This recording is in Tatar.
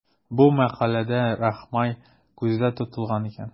Бу мәкаләдә Рахмай күздә тотылган икән.